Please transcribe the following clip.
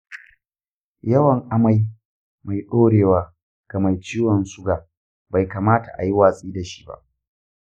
yawan amai mai ɗorewa ga mai ciwon suga bai kamata a yi watsi da shi ba.